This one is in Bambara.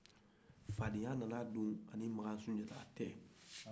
fadeya nana don ani makan sunjata cɛ